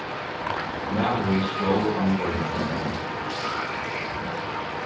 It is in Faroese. maðurin stjól amboðini hjá mær